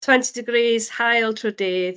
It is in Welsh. Twenty degrees, haul trwy'r dydd.